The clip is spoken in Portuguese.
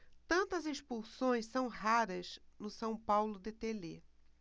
tantas expulsões são raras no são paulo de telê